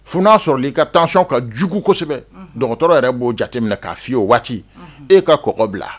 F y'a sɔrɔ'i ka taason ka jugu kosɛbɛ dɔgɔtɔrɔ yɛrɛ b'o jateminɛ na k'a fɔ'ye o waati e ka kɔɔgɔ bila